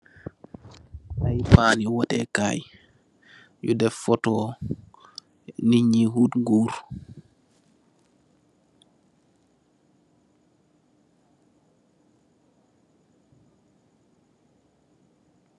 Ay pani wateh kai u deff photo nitt yui ot ngoor.